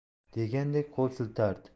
degandek qo'l siltardi